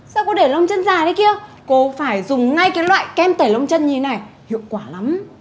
sao cô để lông chân dài thế kia cô phải dùng ngay cái loại kem tẩy lông chân như này hiệu quả lắm